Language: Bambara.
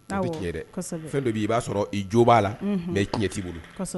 Bɛ tiɲɛ dɛ fɛn dɔ' i b'a sɔrɔ i jo b'a la mɛ tiɲɛ ti bolo